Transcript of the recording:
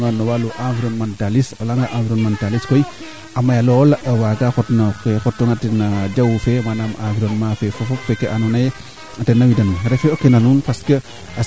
andaame daal pour o qole faax Djiby il faut o qol le xaand ndaa tooko xandelo laaga itam mamo fo xar waro waago fi teen bo o qol lene waro ref ola xaand na